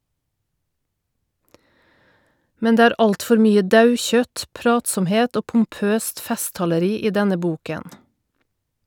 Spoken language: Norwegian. Men det er alt for mye daukjøtt, pratsomhet og pompøst festtaleri i denne boken.